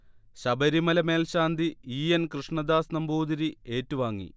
ശബരിമല മേൽശാന്തി E. N. Krishnadas Namboothiri ഏറ്റുവാങ്ങി